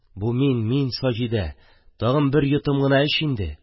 – бу мин, мин, саҗидә... тагын бер йотым гына эч инде...